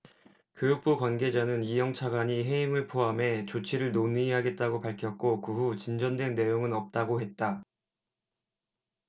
교육부 관계자는 이영 차관이 해임을 포함해 조치를 논의하겠다고 밝혔고 그 후 진전된 내용은 없다고 했다